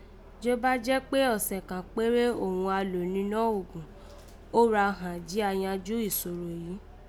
Jí ó bá jẹ́ kpé ọ̀sẹ̀n kàn kpéré òghun a lò ninọ́ ogun, ó ra ghàn jí a yanjú ìsòro yìí